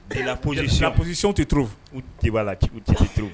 De la position, c'est la position te trouve; , ok ou tu te trouves